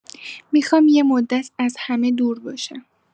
می‌خوام یه مدت از همه دور باشم